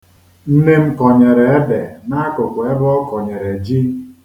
Nne m kọnyere ede n'akụkụ ebe ọ kọnyere ji.